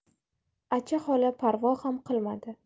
acha xola parvo ham qilmadi